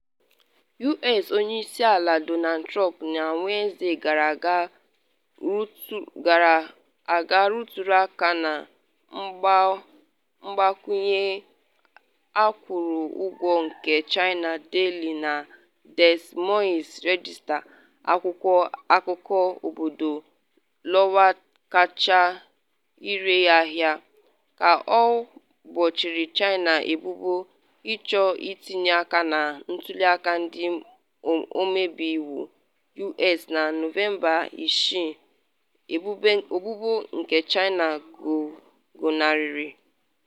U.S. Onye Isi Ala Donald Trump na Wenesde gara aga rụtụrụ aka na mgbakwunye akwụrụ ụgwọ nke China Daily na Des Moines Register - akwụkwọ akụkọ obodo Iowa kacha ere ahịa - ka o bochara China ebubo ịchọ itinye aka na ntuli aka ndị ọmebe iwu U.S na Nọvemba 6, ebubo nke China gọnarịrị.